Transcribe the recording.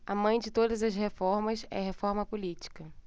a mãe de todas as reformas é a reforma política